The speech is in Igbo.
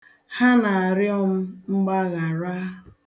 Ha na-arịọ m mgbaghara.